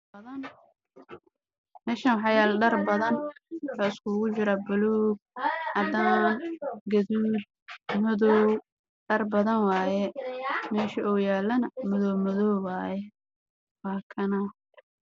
Waa dhar iskugu jira noocyo badan oo dhar dumar ah